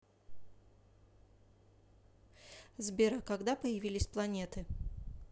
сбер а когда появились планеты